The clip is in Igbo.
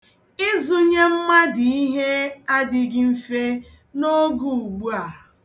Ịzunye mmadụ ihe adịghị mfe n'oge ugbua.